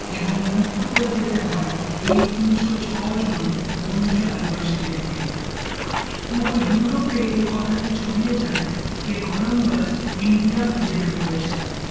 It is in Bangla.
এবং মুক্ত করে যেতে হয় এই ৩০৬ জন বন্দি আদিবাসীদেরকে পুরো ইউরোপে এ কথাটি ছড়িয়ে যায় যে কলম্বাস ইন্ডিয়া খুঁজে বের করেছে